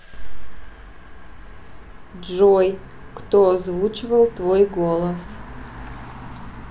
джой кто озвучивал твой голос